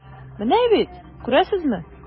Менә бит, күрәсезме.